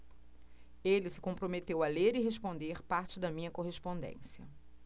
ele se comprometeu a ler e responder parte da minha correspondência